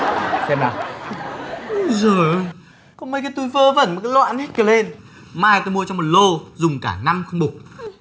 xem nào ui giời ơi có mấy cái túi vớ vẩn mà cứ loạn hết lên mai tôi mua cho một lô dùng cả năm không mục